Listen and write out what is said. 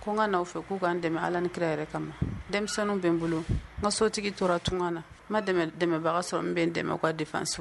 Ko ka n'a fɛ k'u ka an dɛmɛ ala ni kira yɛrɛ kama denmisɛnninw bɛ n bolo n ka so tigi tora tun na n ma dɛmɛbaga sɔrɔ n bɛ n dɛmɛ ka de so